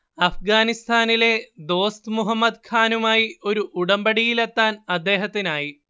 അഫ്ഗാനിസ്താനിലെ ദോസ്ത് മുഹമ്മദ് ഖാനുമായി ഒരു ഉടമ്പടിയിലെത്താൻ അദ്ദേഹത്തിനായി